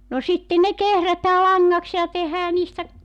no sitten ne kehrätään langaksi ja tehdään niistä